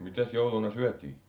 mitäs jouluna syötiin